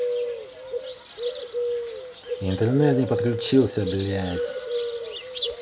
интернет не подключился блядь